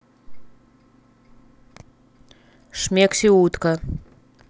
шмекси утка